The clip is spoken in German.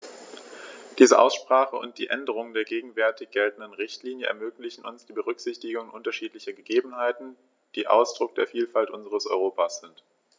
Diese Aussprache und die Änderung der gegenwärtig geltenden Richtlinie ermöglichen uns die Berücksichtigung unterschiedlicher Gegebenheiten, die Ausdruck der Vielfalt unseres Europas sind.